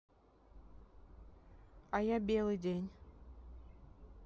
а я белый день